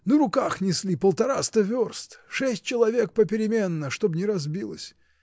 на руках несли полтораста верст, шесть человек попеременно, чтоб не разбилось.